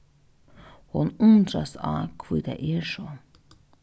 hon undrast á hví tað er so